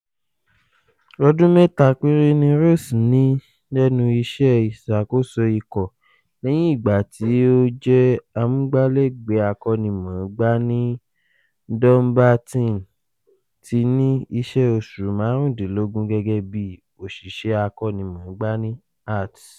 Ọdún mẹ́ta péré ni Ross ní ẹnu iṣẹ́ ìṣàkóso ikọ̀, lẹ́hìn ìgbà tí ó jẹ́ amúgbálẹ̀gbẹ́ akọ́nimọ̀ọ́gbá ni Dumbarton tí ní iṣẹ́ oṣù màrúndínlógùn gẹ́gẹ́ bíi òṣìṣẹ̀ akọ́nimọ̀ọ́gbá ní Hearts.